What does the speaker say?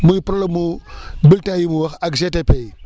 muy problème mu bulletins yi mu wax ak GTP yi